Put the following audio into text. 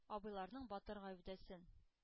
Абыйларның батыр гәүдәсен,